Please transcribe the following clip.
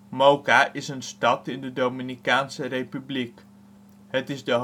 Moca is een stad in de Dominicaanse Republiek, de